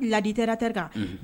Ladi